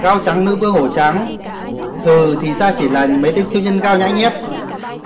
gao trắng nữ vương hổ trắng hừ thì ra chỉ là mấy tên siêu nhân gao nhãi nhép